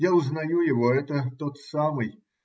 Я узнаю его, это тот самый.